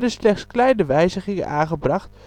slechts kleine wijzigingen aangebracht